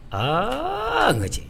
Aa an n ka ten